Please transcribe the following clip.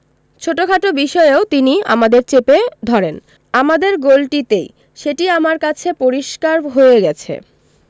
ছোটখাট বিষয়েও তিনি আমাদের চেপে ধরেন আমাদের গোলটিতেই সেটি আমার কাছে পরিস্কার হয়ে গেছে